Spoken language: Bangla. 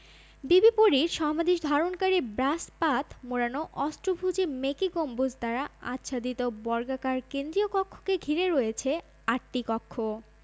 বিবি পরীর সমাধি ধারণকারী ব্রাস পাত মোড়ানো অষ্টভুজী মেকী গম্বুজ দ্বারা আচ্ছাদিত বর্গাকার কেন্দ্রীয় কক্ষকে ঘিরে রয়েছে আটটি কক্ষ